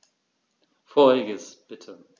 Vorheriges bitte.